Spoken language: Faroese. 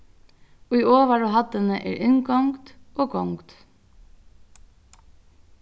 í ovaru hæddini er inngongd og gongd